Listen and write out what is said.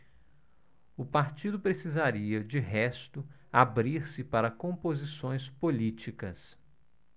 o partido precisaria de resto abrir-se para composições políticas